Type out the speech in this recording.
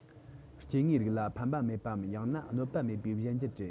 སྐྱེ དངོས རིགས ལ ཕན པ མེད པའམ ཡང ན གནོད པ མེད པའི གཞན འགྱུར རེད